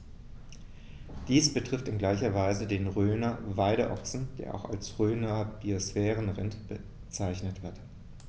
Dies betrifft in gleicher Weise den Rhöner Weideochsen, der auch als Rhöner Biosphärenrind bezeichnet wird.